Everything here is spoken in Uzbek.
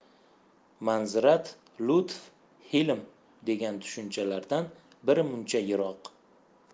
manzirat lutf hilm degan tushunchalardan birmuncha yiroq